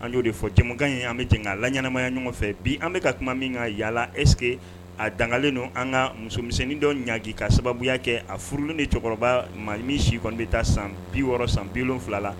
An'o de fɔ cɛmankan ye an bɛ bɛn a la ɲɛnaanamaya ɲɔgɔn fɛ bi an bɛka ka kuma min ka yaala eske a dangalen don an ka musomisɛnnin dɔ ɲ ka sababuya kɛ a furu de cɛkɔrɔba maa min si kɔni bɛ taa san bi wɔɔrɔ san bilon wolonwula la